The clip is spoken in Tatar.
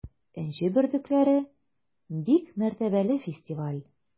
“энҗе бөртекләре” - бик мәртәбәле фестиваль.